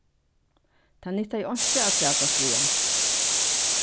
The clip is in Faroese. tað nyttaði einki at trætast við hann